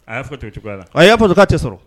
A y'a fɔ cogoya la a y'a fɔ sɔrɔ k'a tɛ sɔrɔ